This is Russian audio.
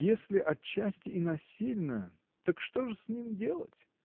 — Если отчасти и насильно, так что же с ним делать?